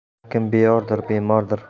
har kim beyordir bemordir